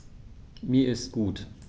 Mir ist gut.